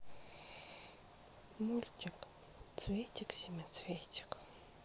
мультик цветик семицветик